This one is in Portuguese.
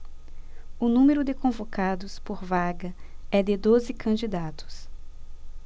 o número de convocados por vaga é de doze candidatos